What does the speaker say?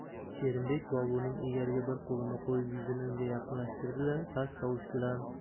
sherimbek boburning egariga bir qo'lini qo'yib yuzini unga yaqinlashtirdi da past tovush bilan